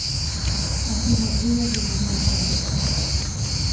афина а где я живу в мой адрес